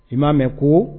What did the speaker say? I m'a mɛn ko